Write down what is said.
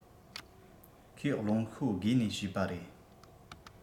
ཁོའི རླུང ཤོ རྒས ནས བྱས པ རེད